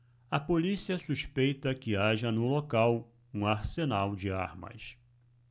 a polícia suspeita que haja no local um arsenal de armas